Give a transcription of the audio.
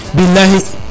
bilahi